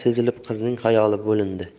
sezilib qizning xayoli bo'lindi